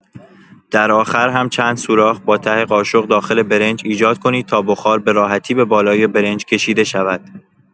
در آخر هم چند سوراخ با ته قاشق داخل برنج ایجاد کنید تا بخار به راحتی به بالای برنج کشیده شود.